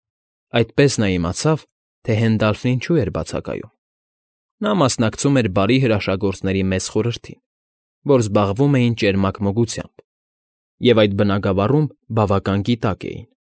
Այդպես նա իմացավ, թե Հենդալֆն ինչու էր բացակայում. նա մասնակցում էր բարի հրաշագործների մեծ խորհրդին, որ զբաղվում էր ճերմակ մոգությամբ և այդ բնագավառում բավական գիտակ էին։